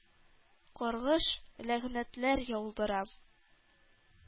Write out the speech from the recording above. Каргыш-ләгънәтләр яудырам.